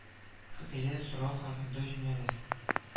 Хикәя, сорау һәм өндәү җөмләләләр